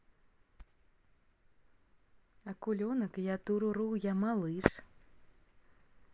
акуленок я туруру я малыш